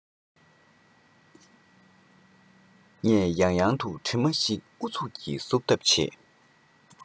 ངས ཡང ཡང དུ གྲིབ མ ཞིག ཨུ ཚུགས ཀྱིས བསུབ ཐབས བྱེད